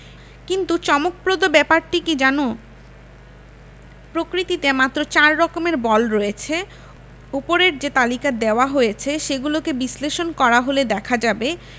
কিন্তু চমকপ্রদ ব্যাপারটি কী জানো প্রকৃতিতে মাত্র চার রকমের বল রয়েছে ওপরে যে তালিকা দেওয়া হয়েছে সেগুলোকে বিশ্লেষণ করা হলে দেখা যাবে